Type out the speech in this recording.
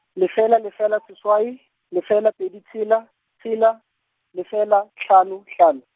lefela lefela seswai, lefela pedi tshela, tshela, lefela, hlano, hlano.